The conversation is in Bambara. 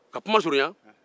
ka kuma surunya